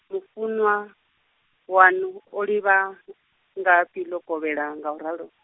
mufunwa, waṋu, olivha, nga fhi ḽo kovhela nguralo?